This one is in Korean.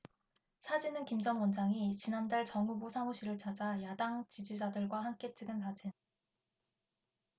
사진은 김 전 원장이 지난달 정 후보 사무실을 찾아 야당 지지자들과 함께 찍은 사진